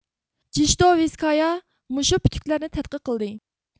جېشتوۋېسكايا مۇشۇ پۈتۈكلەرنى تەتقىق قىلدى